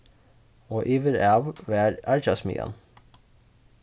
og yvirav var argjasmiðjan